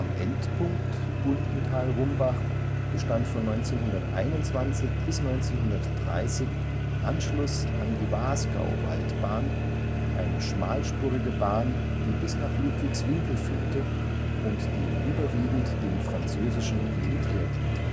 Endpunkt Bundenthal-Rumbach bestand von 1921 bis 1930 Anschluss an die Wasgauwaldbahn, eine schmalspurige Bahn, die bis nach Ludwigswinkel führte, und die überwiegend dem französischen Militär diente